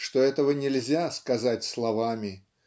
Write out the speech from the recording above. что этого нельзя сказать словами